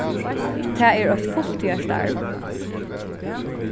tað er eitt fulltíðar starv